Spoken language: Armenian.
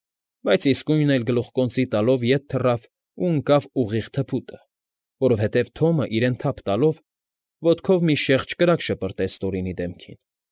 Բայց իսկույն էլ գլուխկոնծի տալով ետ թռավ ու ընկավ ուղիղ թփուտը, որովհետև Թոմը իրեն թափ տալով. ոտքով մի շեղջ կրակ շպրտեց Տորինի դեմքին։